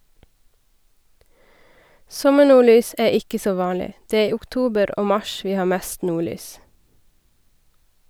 Sommernordlys er ikke så vanlig , det er i oktober og mars vi har mest nordlys.